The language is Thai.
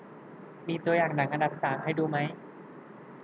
มีตัวอย่างหนังอันดับสามให้ดูไหม